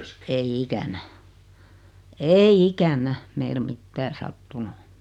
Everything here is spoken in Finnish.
- ei ikänä ei ikänä meillä mitään sattunut